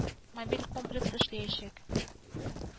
Мобиль комплекс эшләячәк